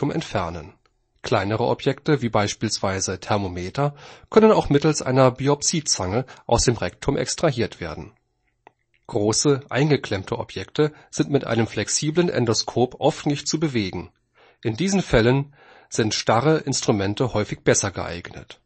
entfernen. Kleinere Objekte, wie beispielsweise Thermometer, können auch mittels einer Biopsiezange aus dem Rektum extrahiert werden. Große eingeklemmte Objekte sind mit einem flexiblen Endoskop oft nicht zu bewegen. In diesen Fällen sind starre Instrumente häufig besser geeignet